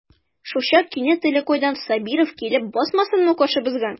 Шулчак кинәт әллә кайдан Сабиров килеп басмасынмы каршыбызга.